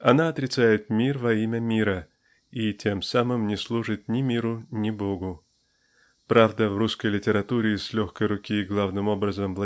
Она отрицает мир во имя мира и тем самым не служит ни миру, ни Богу. Правда в русской литературе с легкой руки главным образом